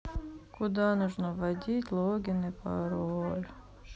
куда нужно вводить логин и пароль